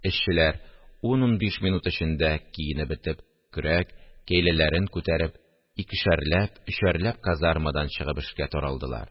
Эшчеләр, ун-унбиш минут эчендә киенеп бетеп, көрәк, кәйләләрен күтәреп, икешәрләп, өчәрләп казармадан чыгып эшкә таралдылар